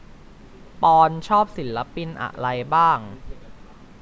ปอนด์ชอบศิลปินอะไรบ้าง